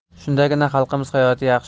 shundagina xalqimiz hayoti yaxshi